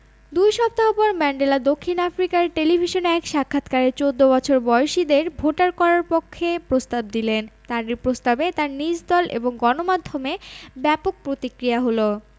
দুই সপ্তাহ পর ম্যান্ডেলা দক্ষিণ আফ্রিকার টেলিভিশনে এক সাক্ষাৎকারে ১৪ বছর বয়সীদের ভোটার করার পক্ষে প্রস্তাব দিলেন তাঁর এ প্রস্তাবে তাঁর নিজ দল এবং গণমাধ্যমে ব্যাপক প্রতিক্রিয়া হলো